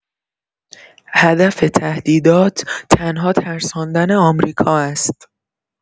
هدف تهدیدات تنها ترساندن آمریکا است.